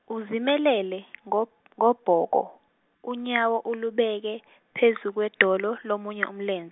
uzimelele ngo- ngobhoko, unyawo ulubeke phezu kwedolo lomunye umlenze.